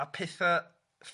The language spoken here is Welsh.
a petha ff-